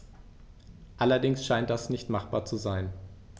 Allerdings scheint das nicht machbar zu sein.